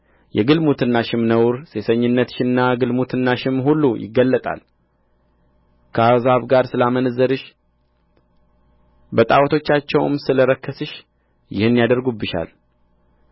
የግልሙትናሽም ነውር ሴሰኝነትሽና ግልሙትናሽም ሁሉ ይገለጣል ከአሕዛብ ጋር ስላመነዘርሽ በጣዖቶቻቸውም ስለ ረከስሽ ይህን ያደረጉብሻል